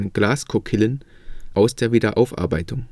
Glaskokillen “) aus der Wiederaufarbeitung